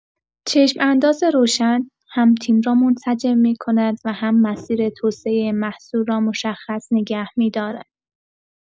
چشم‌انداز روشن، هم تیم را منسجم می‌کند و هم مسیر توسعه محصول را مشخص نگه می‌دارد.